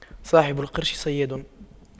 صاحب القرش صياد